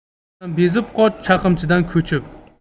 bekorchidan bezib qoch chaqimchidan ko'chib